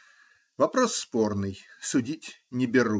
Вопрос спорный, судить не берусь.